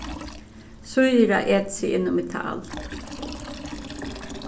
sýra etur seg inn í metal